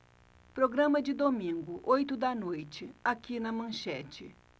programa de domingo oito da noite aqui na manchete